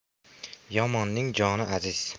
yomonning joni aziz